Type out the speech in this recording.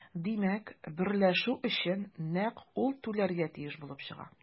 Димәк, берләшү өчен нәкъ ул түләргә тиеш булып чыга.